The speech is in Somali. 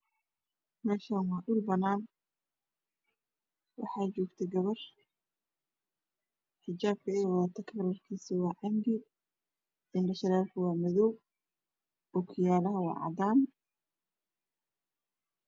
Meeshaa waa dhulbanaan waxa joogo gabar xijaabka ay wadato kalarkiisu waa canbe indhoshareerka ay wadato waa madow ookiyaalaha waa cadaan